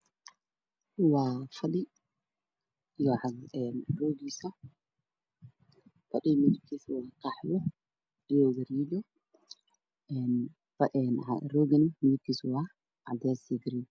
Waa fadhi dul saaran rog fadhiga kalarkiisu waa caddaan roogi kalarkiisuna waa cagaar